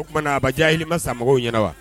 O tumaumana na aba diya hakilili ma samɔgɔw ɲɛna wa